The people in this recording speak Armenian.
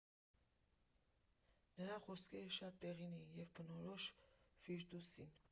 Նրա խոսքերը շատ տեղին էին ու բնորոշ Ֆիրդուսին.